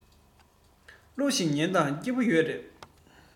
གླུ ཞིག ཉན དང སྐྱིད པོ ཡོད རེད